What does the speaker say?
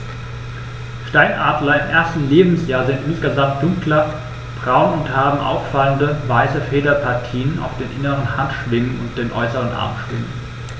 Steinadler im ersten Lebensjahr sind insgesamt dunkler braun und haben auffallende, weiße Federpartien auf den inneren Handschwingen und den äußeren Armschwingen.